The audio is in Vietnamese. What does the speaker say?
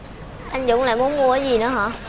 anh dũng lại muốn mua cái gì nữa hả